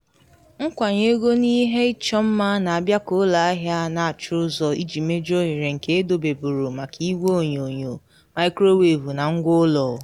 Nkwanye ego n’ihe ịchọ mma na abịa ka ụlọ ahịa na achụ ụzọ iji mejuo oghere nke edobeburu maka Igwe onyonyoo, mikrowevụ na ngwa ụlọ.